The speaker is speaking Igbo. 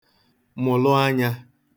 mụ̀lụ anyā [Fig.]